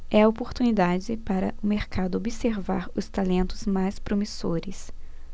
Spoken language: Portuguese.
é a oportunidade para o mercado observar os talentos mais promissores